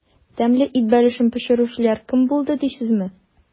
Тәмле ит бәлешен пешерүчеләр кем булды дисезме?